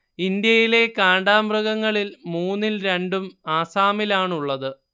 ഇന്ത്യയിലെ കാണ്ടാമൃഗങ്ങളിൽ മൂന്നിൽ രണ്ടും ആസാമിലാണുള്ളത്